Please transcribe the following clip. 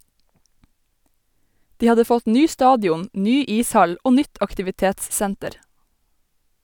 De hadde fått ny stadion, ny ishall og nytt aktivitetssenter.